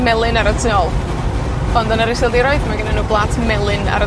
melyn ar y tu ôl. Ond yn yr Iseldiroedd ma' dennon nw blat melyn ar y